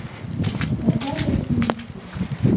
наталья кински